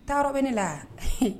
Taa yɔrɔ bɛ ne la